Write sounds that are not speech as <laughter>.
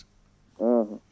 <hesitation> <hesitation>